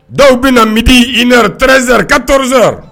Dɔw bɛna na midi i narezeri ka tɔɔrɔzeyara